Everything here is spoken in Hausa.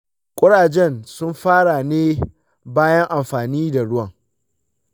kurajen sun fara ne bayan amfani da ruwan?